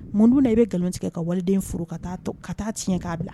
Mun dun na i bɛ nkalon tigɛ ka waliden furu ka taa tɔ ka taa tiɲɛ k'a bila